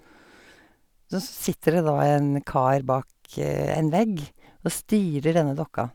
Så s sitter det da en kar bak en vegg og styrer denne dokka.